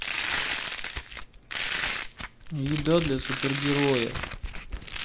еда для супергероя